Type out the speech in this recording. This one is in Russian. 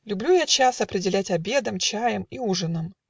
Люблю я час Определять обедом, чаем И ужином.